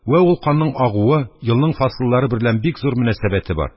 Вә ул канның агуы елның фасыллары берлән бик зур мөнәсәбәте бар.